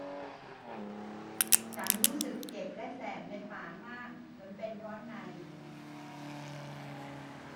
ฉันรู้สึกเจ็บและแสบในปากมากเหมือนเป็นร้อนใน